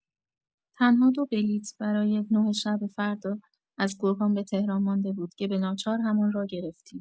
تنها دو بلیت برای نه شب فردا از گرگان به تهران مانده بود که به‌ناچار همان را گرفتیم.